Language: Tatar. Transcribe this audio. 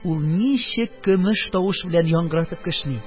Ул ничек көмеш тавыш белән яңгыратып кешни!